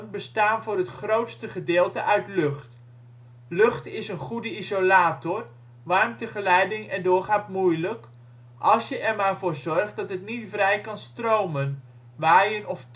bestaan voor het grootste gedeelte uit lucht. Lucht is een goede isolator (warmtegeleiding erdoor gaat moeilijk) als je er maar voor zorgt dat het niet vrij kan stromen (waaien of